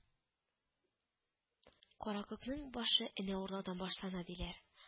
Каракүкнең башы энә урлаудан башлана диләр